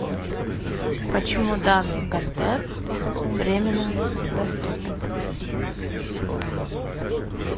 почему данный контент временно доступен